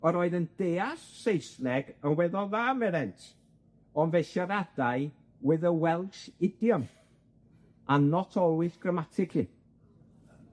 yr oedd yn deall Saesneg yn weddol dda meddent on' fe siaradai with a Welsh idiom an' not always gramatically.